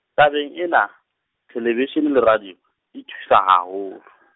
tabeng ena, thelebishine le radio, di thusa haholo.